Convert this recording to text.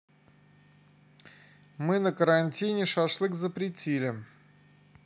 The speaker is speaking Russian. мы на карантине шашлык запретили